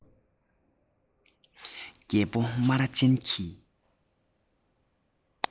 རྒད པོ རྨ ར ཅན གྱི